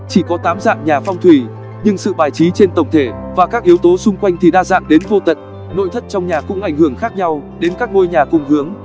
chỉ có dạng nhà phong thủy nhưng sự bài trí trên tổng thể và các yếu tố xung quanh thì đa dạng đến vô tận nội thất trong nhà cũng ảnh hưởng khác nhau đến các ngôi nhà cùng hướng